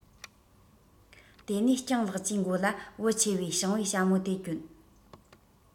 དེ ནས སྤྱང ལགས ཀྱི མགོ ལ བུ ཆེ བའི ཕྱིང པའི ཞྭ མོ དེ གྱོན